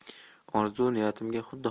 orzu niyatimga xuddi